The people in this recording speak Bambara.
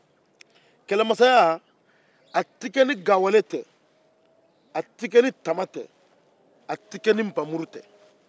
kɛlɛmasaya tɛ kɛ ni gawale tɛ a tɛ kɛ ni tama tɛ a tɛ kɛ ni npanmuru tɛ